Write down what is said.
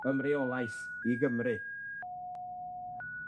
ymreolaeth i Gymru.